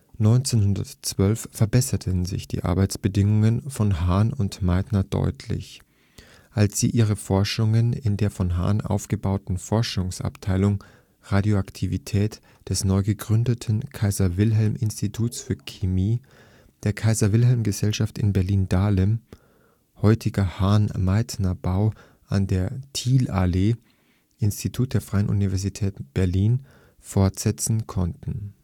1912 verbesserten sich die Arbeitsbedingungen von Hahn und Meitner deutlich, als sie ihre Forschungen in der von Hahn aufgebauten Forschungsabteilung Radioaktivität des neu gegründeten Kaiser-Wilhelm-Instituts für Chemie der Kaiser-Wilhelm-Gesellschaft in Berlin-Dahlem (heutiger Hahn-Meitner-Bau an der Thielallee, Institut der Freien Universität Berlin) fortsetzen konnten